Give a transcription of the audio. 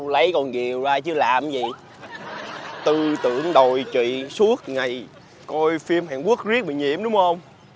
tôi lấy con diều ra chứ làm gì tư tưởng đồi trụy suốt ngày coi phim hàn quốc riết bị nhiễm đúng không